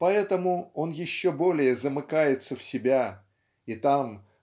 поэтому он еще более замыкается в себя и там